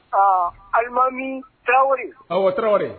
Aa ayiwalimami tarawele a wa tarawele